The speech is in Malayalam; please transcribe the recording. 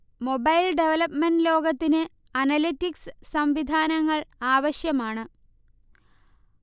മൊബൈൽ ഡെവലപ്പ്മെന്റ് ലോകത്തിന് അനലറ്റിക്സ് സംവിധാനങ്ങൾ ആവശ്യമാണ്